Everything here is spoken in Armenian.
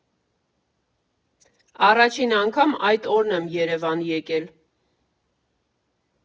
Առաջին անգամ այդ օրն եմ Երևան եկել։